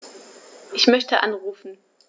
Ich möchte anrufen.